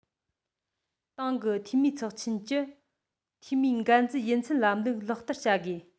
ཏང གི འཐུས མིའི ཚོགས ཆེན གྱི འཐུས མིའི འགན འཛིན ཡུན ཚད ལམ ལུགས ལག བསྟར བྱ དགོས